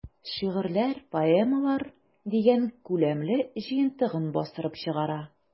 "шигырьләр, поэмалар” дигән күләмле җыентыгын бастырып чыгара.